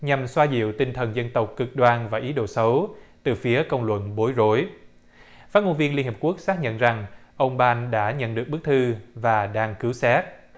nhằm xoa dịu tinh thần dân tộc cực đoan và ý đồ xấu từ phía công luận bối rối phát ngôn viên liên hiệp quốc xác nhận rằng ông ban đã nhận được bức thư và đang cứu xét